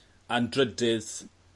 A'n drydydd